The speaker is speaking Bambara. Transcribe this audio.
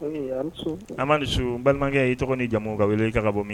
A ma dusu balimakɛ ye tɔgɔ ni jamumu ka wele i ka bɔ